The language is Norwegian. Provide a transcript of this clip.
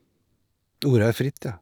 Ordet er fritt, ja.